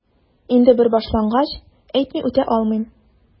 Инде бер башлангач, әйтми үтә алмыйм...